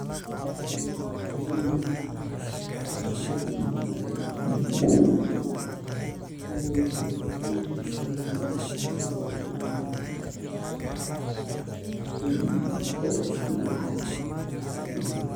Waa xayeysiin waxaa ii muuqda bac cagaar ah backgroundka waa caddaan